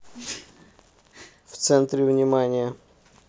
в центре внимания